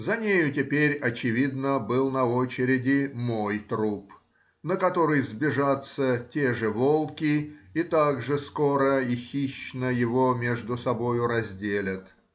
За нею теперь, очевидно, был на очереди мой труп, на который сбежатся те же волки и так же скоро и хищно его между собою разделят.